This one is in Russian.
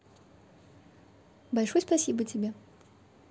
большой спасибо тебе